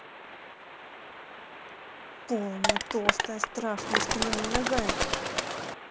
полная толстая страшная с кривыми ногами